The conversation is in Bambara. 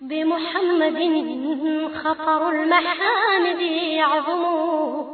Denmuunɛgɛningɛningɛnin yo